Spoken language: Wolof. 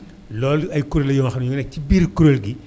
loolu ay kuréel la yoo xam ni nag ci biir kuréel gi